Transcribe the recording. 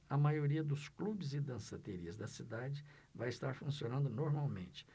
a maioria dos clubes e danceterias da cidade vai estar funcionando normalmente